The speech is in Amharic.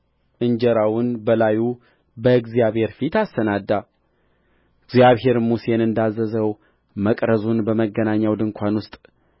እንጀራውን በላዩ በእግዚአብሔር ፊት አሰናዳ እግዚአብሔርም ሙሴን እንዳዘዘው መቅረዙን በመገናኛው ድንኳን ውስጥ